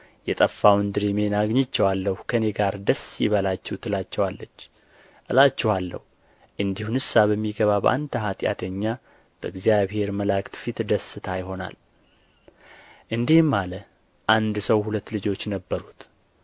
የጠፋውን ድሪሜን አግኝቼዋለሁና ከእኔ ጋር ደስ ይበላችሁ ትላቸዋለች እላችኋለሁ እንዲሁ ንስሐ በሚገባ በአንድ ኃጢአተኛ በእግዚአብሔር መላእክት ፊት ደስታ ይሆናል እንዲህም አለ አንድ ሰው ሁለት ልጆች ነበሩት